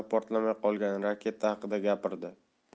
qolgan raketa haqida gapirdi